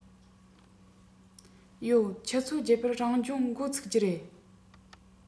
ཡོད ཆུ ཚོད བརྒྱད པར རང སྦྱོང འགོ ཚུགས ཀྱི རེད